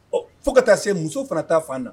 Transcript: Ɔ fo ka taa se muso fana taa fan na